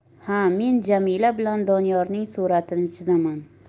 ha men jamila bilan doniyorning suratini chizaman